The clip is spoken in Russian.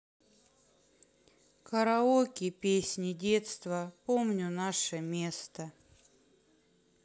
караоке песни детства помню наше место